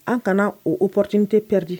An kana o oo prtiinte ppdi